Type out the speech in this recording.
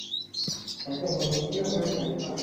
ฉันกังวลเรื่องค่าใช้จ่ายในบ้าน